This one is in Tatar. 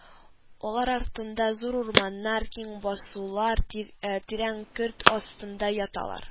Алар артында зур урманнар, киң басулар тирән көрт астында яталар